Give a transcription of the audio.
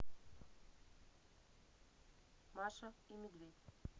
маша и медведь